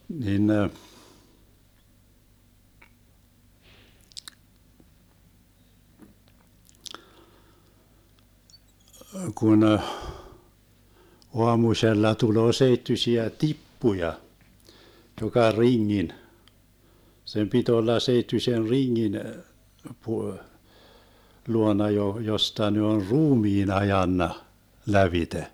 niin ne kun - aamusella tulee seittyisiä tippuja joka ringin sen piti olla seittyisen ringin - luona - josta ne on ruumiin ajanut lävitse